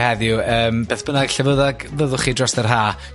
Heddiw e beth bynag llefydda fyddwch chi dros yr haf?